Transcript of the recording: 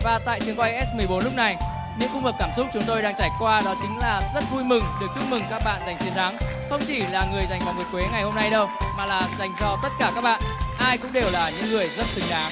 và tại trường quay ét mười bốn lúc này những cung bậc cảm xúc chúng tôi đang trải qua đó chính là rất vui mừng được chúc mừng các bạn giành chiến thắng không chỉ là người giành vòng nguyệt quế ngày hôm nay đâu mà là dành cho tất cả các bạn ai cũng đều là những người rất xứng đáng